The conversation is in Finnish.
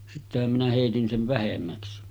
sittenhän minä heitin sen vähemmäksi